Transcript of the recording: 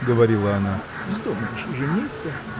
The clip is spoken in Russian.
— говорила она, — вздумаешь жениться.